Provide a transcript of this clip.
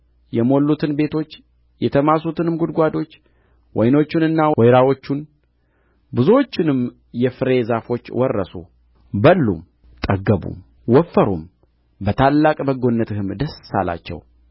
የሞሉትን ቤቶች የተማሱትንም ጕድጓዶች ወይኖቹንና ወይራዎቹን ብዙዎቹንም የፍሬ ዛፎች ወረሱ በሉም ጠገቡም ወፈሩም በታላቅ በጎነትህም ደስ አላቸው